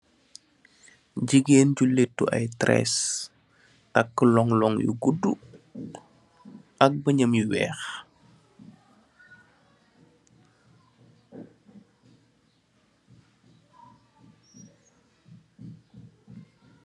Jigéen ju lëttu ay teres, ao ay long-long yu gudu, ak ay bëñam yu weex.